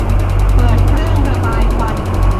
เปิดเครื่องระบายควัน